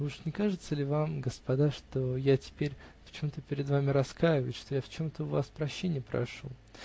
Уж не кажется ли вам, господа, что я теперь в чем-то перед вами раскаиваюсь, что я в чем-то у вас прощенья прошу?.